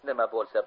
nima bo'lsa